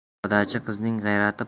podachi qizining g'ayrati